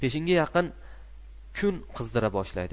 peshinga yaqin kun qizdira boshlaydi